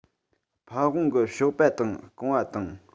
ཕ ཝང གི གཤོག པ དང རྐང བ དང